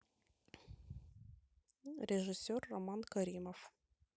режиссер роман каримов